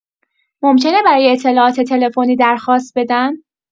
ممکنه برای اطلاعات تلفنی درخواست بدن.